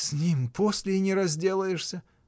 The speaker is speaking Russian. — С ним после и не разделаешься!